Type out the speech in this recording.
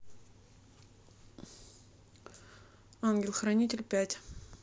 ангел хранитель пять